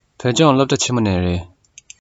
བོད ལྗོངས སློབ གྲྭ ཆེན མོ ནས རེད